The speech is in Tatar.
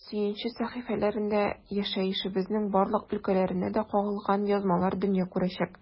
“сөенче” сәхифәләрендә яшәешебезнең барлык өлкәләренә дә кагылган язмалар дөнья күрәчәк.